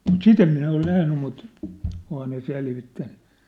mutta sitä en minä ole nähnyt mutta onhan ne selvittänyt